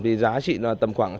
thì giá trị là tầm khoảng